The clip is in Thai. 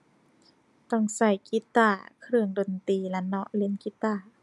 ต้องใช้กีตาร์เครื่องดนตรีล่ะเนาะ เล่นกีตาร์